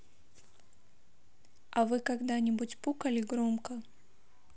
а вы когда нибудь пукали громко